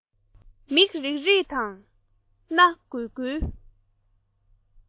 མིག རིག རིག དང སྣ འགུལ འགུལ